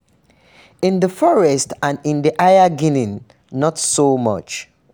In the forest and in Higher Guinea, not so much.